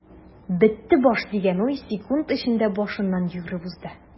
"бетте баш” дигән уй секунд эчендә башыннан йөгереп узды.